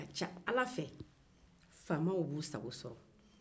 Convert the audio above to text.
a ka ca ala fe faamaw b'u sago sɔrɔ